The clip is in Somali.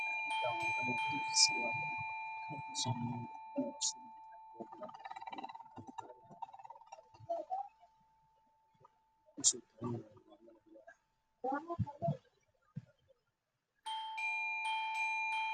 Waa surwaal madow ah